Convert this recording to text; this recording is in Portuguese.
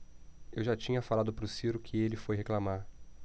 eu já tinha falado pro ciro que ele foi reclamar